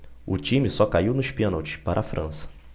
o time só caiu nos pênaltis para a frança